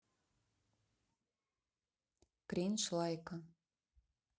кринж лайка